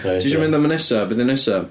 Ti isio mynd am y nesa? Be 'di'r nesaf?